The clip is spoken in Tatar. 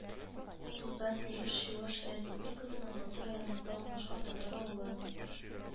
Тутар Тимеш Чуаш Республикасының Батыр районында урнашкан татар авылы